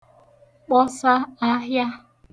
kpọsa ahịa